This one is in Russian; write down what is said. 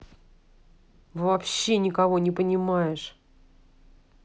вообще никого не понимаешь